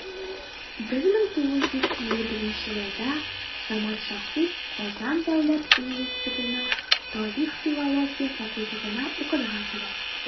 1951 елда самат шакир казан дәүләт университетының тарих-филология факультетына укырга керә.